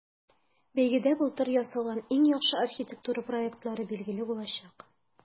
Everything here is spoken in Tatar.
Бәйгедә былтыр ясалган иң яхшы архитектура проектлары билгеле булачак.